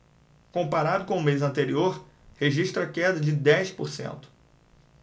comparado com o mês anterior registra queda de dez por cento